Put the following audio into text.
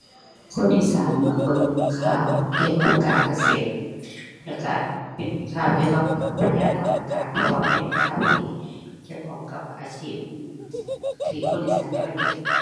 คนอีสานมักเบิ่งข่าวเกี่ยวกับการเกษตรแล้วก็เป็นข่าวเกี่ยวกับ อ่า พยากรณ์อากาศ เพราะว่าเป็นข่าวที่เกี่ยวข้องกับอาชีพ อื้อ ที่คนอีสานกำลังเฮ็ด